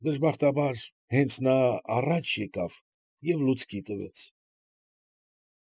Դժբախտաբար հենց նա առաջ եկավ և լուցկի տվեց։